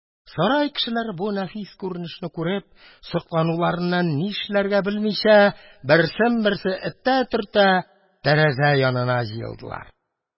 Сарай кешеләре, бу нәфис күренешне күреп, соклануларыннан нишләргә белмичә, берсен-берсе этә-төртә, тәрәзә янына җыелдылар.